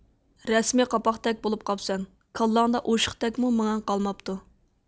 رەسمىي قاپاقتەك بولۇپ قاپسەن كاللاڭدا ئوشۇقتەكمۇ مېڭەڭ قالماپتۇ